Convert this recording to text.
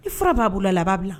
I fura b'a bolo la b'a bila